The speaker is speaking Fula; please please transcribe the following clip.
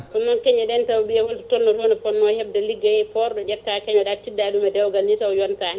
ɗum noon keñoɗen taw ɓiiye wonto fonno hebde ligguey porɗo ƴetta keñoɗa tiɗɗa ɗum e dewgal ni tawa yontani